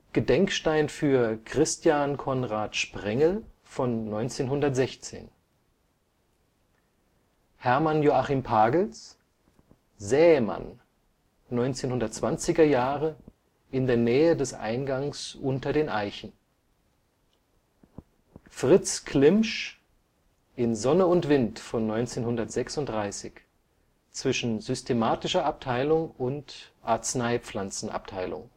Gedenkstein für Christian Konrad Sprengel von 1916 Hermann Joachim Pagels: Sämann, 1920er Jahre, in der Nähe des Eingangs Unter den Eichen Fritz Klimsch: In Sonne und Wind von 1936, zwischen Systematischer Abteilung und Arzneipflanzenabteilung